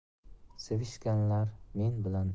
sevishganlar men bilan